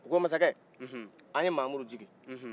u ko masakɛ an ye mamudu jiguin